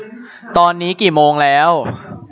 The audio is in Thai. ตอนนี้กี่โมงแล้ว